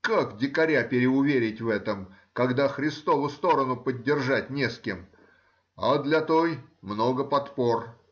как дикаря переуверить в этом, когда Христову сторону поддержать не с кем, а для той много подпор?